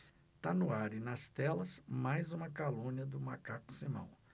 tá no ar e nas telas mais uma calúnia do macaco simão